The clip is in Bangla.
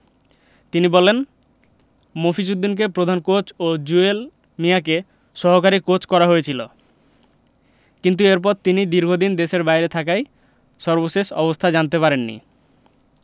তিনি বলেন মফিজ উদ্দিনকে প্রধান কোচ ও জুয়েল মিয়াকে সহকারী কোচ করা হয়েছিল কিন্তু এরপর তিনি দীর্ঘদিন দেশের বাইরে থাকায় সর্বশেষ অবস্থা জানতে পারেননি